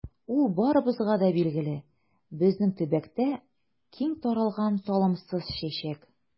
Ул барыбызга да билгеле, безнең төбәктә киң таралган талымсыз чәчәк.